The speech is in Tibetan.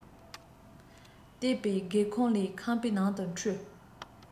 གཏད པའི སྒེ འུ ཁུང ལས ཁང པའི ནང དུ འཕྲོས